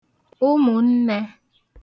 ụmụ̀nnẹ̄